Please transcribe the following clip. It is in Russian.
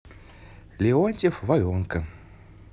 леонтьев воронка